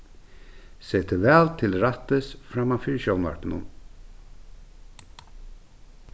set teg væl til rættis frammanfyri sjónvarpinum